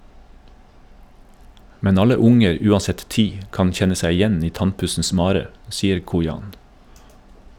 - Men alle unger uansett tid kan kjenne seg igjen i tannpussens mare, sier Kojan.